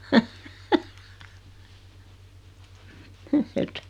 että